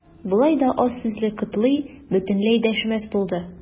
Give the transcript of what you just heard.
Болай да аз сүзле Котлый бөтенләй дәшмәс булды.